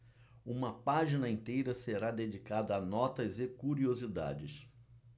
uma página inteira será dedicada a notas e curiosidades